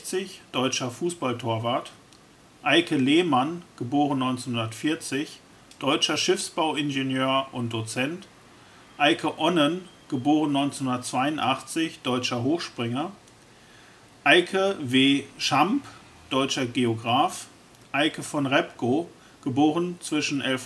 deutscher Fußballtorwart Eike Lehmann (* 1940) deutscher Schiffsbauingenieur und Dozent Eike Onnen (* 1982), deutscher Hochspringer Eike W. Schamp, deutscher Geograph Eike von Repgow (* zwischen 1180